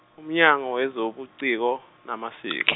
uMnyango wezoBuciko naMasiko.